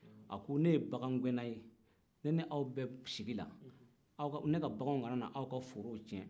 a ko ne ye bagangɛnna ne ni aw bɛ sigi la ne ka baganw kana na aw ka forow cɛn